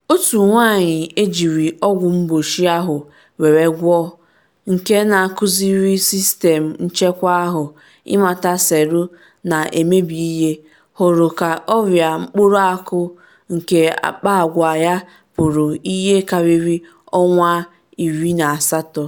Otu nwanyị ejiri ọgwụ mgbochi ahụ were gwọ, nke na-akuziri sistem nchekwa ahụ ịmata selụ na-emebi ihe, hụrụ ka ọrịa mkpụrụ akụ nke akpa akwa ya pụrụ ihe karịrị ọnwa 18.